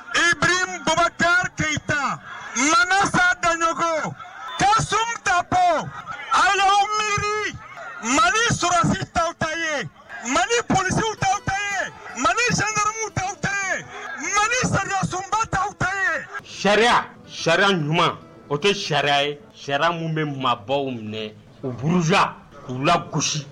I bɛta keyita ta ma satajkɔ ka sun ta ali mi mali ssi tɔw ta ye mali psi dɔw tɛ mali sakamu dɔw tɛ mali sa sunba ta sariya sariya ɲuman o kɛ sariya ye sariya minnu bɛ mabɔbaww minɛ u buru z uu la gosi